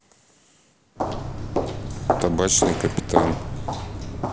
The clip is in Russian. табачный капитан